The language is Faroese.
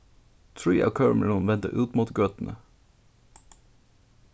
trý av kømrunum venda út móti gøtuni